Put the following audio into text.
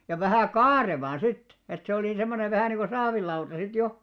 ja vähän kaarevaan sitten että se oli semmoinen vähä niin kuin saavilauta sitten jo